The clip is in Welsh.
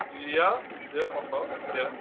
Ia ia mewn ffordd, ia.